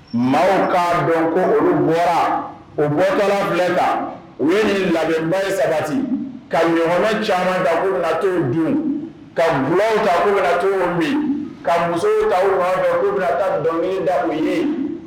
Maa kaa dɔn ko olu bɔra u bɔtɔ bila ta u ye nin labɛnba ye sabati ka ɲɔgɔnɔn camanbuto dun ka bubu bila t min ka muso da dɔnkili da u ye